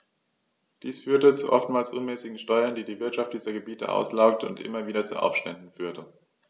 Dies führte zu oftmals unmäßigen Steuern, die die Wirtschaft dieser Gebiete auslaugte und immer wieder zu Aufständen führte.